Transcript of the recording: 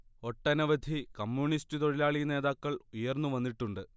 ഒട്ടനവധി കമ്യൂണിസ്റ്റ് തൊഴിലാളി നേതാക്കൾ ഉയർന്നു വന്നിട്ടുണ്ട്